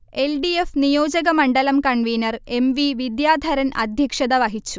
L. D. F. നിയോജകമണ്ഡലം convener M. V. Vidyadharan അധ്യക്ഷത വഹിച്ചു